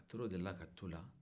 a tora o de la ka to la